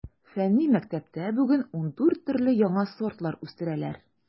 Фәнни мәктәптә бүген ундүрт төрле яңа сортлар үстерәләр.